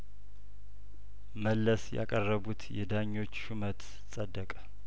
መለስ ያቀረቡት የዳኞች ሹመት ጸደቀ